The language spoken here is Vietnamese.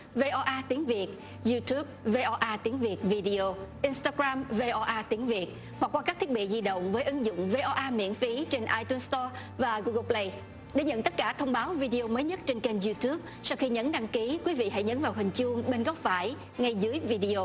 vê o a tiếng việt diu túp vê o a tiếng việt vi đi ô in tơ ram vê o a tiếng việt hoặc qua các thiết bị di động với ứng dụng vê o a miễn phí trên ai tun xờ to và gu gồ bờ lây để nhận tất cả thông báo vi đi ô mới nhất trên kênh diu túp sau khi nhấn đăng ký quý vị hãy nhấn vào hình chuông bên góc phải ngay dưới vi đi ô